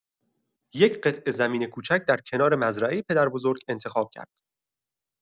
یک قطعه زمین کوچک در کنار مزرعۀ پدربزرگ انتخاب کرد.